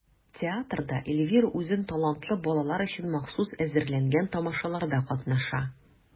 Театрда Эльвира үзен талантлы балалар өчен махсус әзерләнгән тамашаларда катнаша.